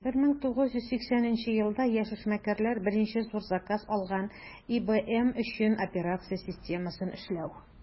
1980 елда яшь эшмәкәрләр беренче зур заказ алган - ibm өчен операция системасын эшләү.